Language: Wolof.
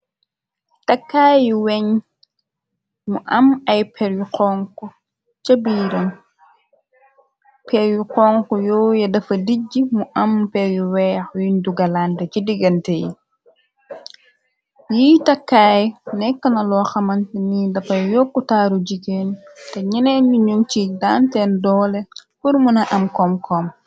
Takaay yu weñ mu am ay pèr yu honku cha biiram. Për yu honku yooye dafa dijj mu am per yu weeh yung dugalante ci digante. Yi takkaay nekkna loo hamantene ni dafay yokku taaru jigeen te ñeneen ñu ñu ci danteen doole pur mëna am kom-kom.